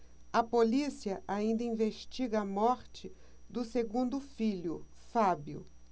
a polícia ainda investiga a morte do segundo filho fábio